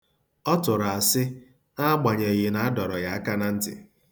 Ọ tụrụ asị, n'agbanyeghi na a dọrọ ya aka na ntị.